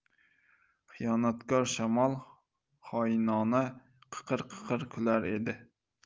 xiyonatkor shamol xoinona qiqir qiqir kular edi